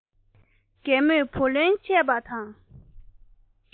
རྒན མོས བུ ལོན ཆད པ དང